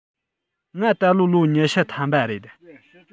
ང ད ལོ ལོ ཉི ཤུ ཐམ པ རེད